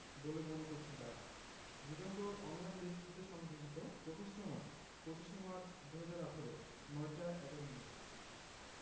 বলে মনে করছেন তারা যুগান্তর অনলাইন ডেস্ক হতে সংগৃহীত প্রকাশের সময় ২৫ মার্চ ২০১৮ ০৯ টা ১১ মিনিট